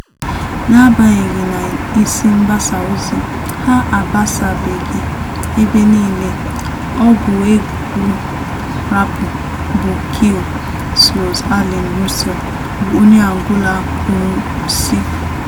Na-agbanyeghị na isi mgbasa ozi ha agbasabeghị ebe niile, ọgụ egwu raapụ bụ Gil Slows Allen Russel bụ onye Angola kwuru sị: